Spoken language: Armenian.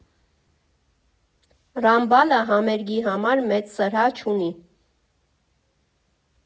Ռամբալը համերգի համար մեծ սրահ չունի.